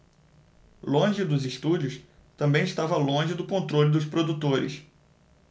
longe dos estúdios também estava longe do controle dos produtores